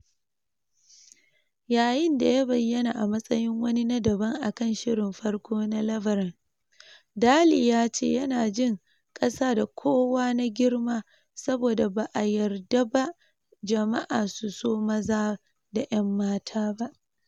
Yayin da ya bayyana a matsayin wani na daban a kan shirin farko na Laverne, Daley ya ce yana jin "kasa da" kowa na girma saboda "ba a yarda da ba jama’a su so maza da 'yan mata ba."